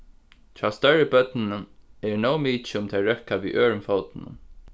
hjá størri børnum er nóg mikið um tey røkka við øðrum fótinum